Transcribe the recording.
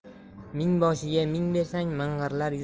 mingboshiga ming bersang ming'irlar